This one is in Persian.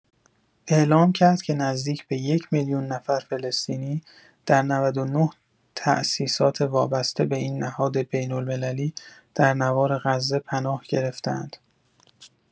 اعلام کرد که نزدیک به یک‌میلیون نفر فلسطینی در ۹۹ تاسیسات وابسته به این نهاد بین‌المللی در نوار غزه پناه گرفته‌اند.